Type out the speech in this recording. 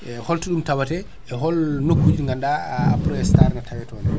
e holto ɗum tawete e hol nokkuji ɗi ganduɗa Aprostar ina tawe ton